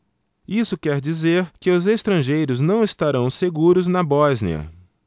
isso quer dizer que os estrangeiros não estarão seguros na bósnia